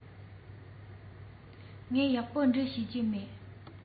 ངས ཡག པོ འབྲི ཤེས ཀྱི མེད